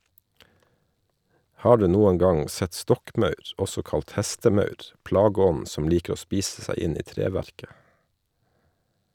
Har du noen gang sett stokkmaur, også kalt hestemaur, plageånden som liker å spise seg inn i treverket?